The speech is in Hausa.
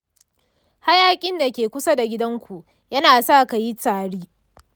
hayaƙin da ke kusa da gidanku yana sa ka yi tari?